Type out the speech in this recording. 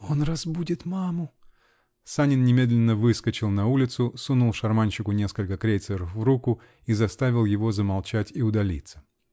"Он разбудит маму!" Санин немедленно выскочил на улицу, сунул шарманщику несколько крейсеров в руку -- и заставил его замолчать и удалиться.